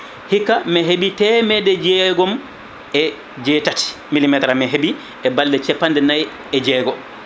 hikka mi heeɓi temedde jeegom e jeetati millmétre aji mi heeɓi e balɗe capanɗe nayyi e jeegom